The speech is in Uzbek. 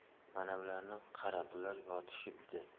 manavilarni qara bular yotishibdi